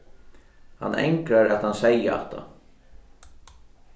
hann angrar at hann segði hatta